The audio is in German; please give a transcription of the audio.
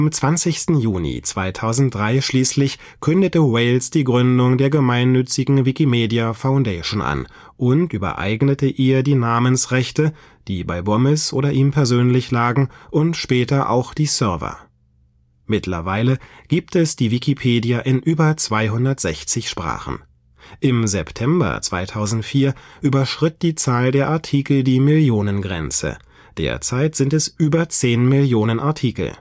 20. Juni 2003 schließlich kündete Wales die Gründung der gemeinnützigen Wikimedia Foundation an und übereignete ihr die Namensrechte (die bei Bomis oder ihm persönlich lagen) und später auch die Server. Mittlerweile gibt es die Wikipedia in über 260 Sprachen. Im September 2004 überschritt die Zahl der Artikel die Millionengrenze, derzeit sind es über zehn Millionen Artikel